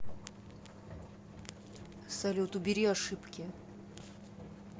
салют убери ошибки